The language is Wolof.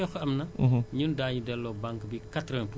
muy service technique élevage bu agriculture